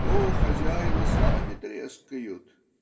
то хозяева сами трескают".